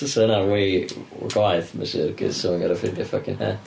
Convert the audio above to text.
'Sa hynna way gwaeth fysa, achos 'sa fo'n gorfod ffeindio fucking het.